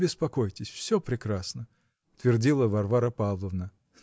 не беспокойтесь -- все прекрасно, -- твердила Варвара Павловна.